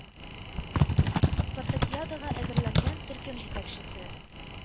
– спартакиадага әзерләгән төркем җитәкчесе –